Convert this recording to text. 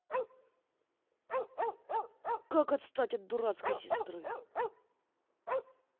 как отстать от дурацкой сестры